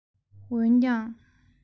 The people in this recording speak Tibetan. འོན ཀྱང